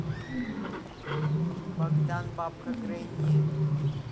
богдан бабка гренни